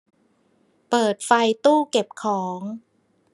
เปิดไฟตู้เก็บของ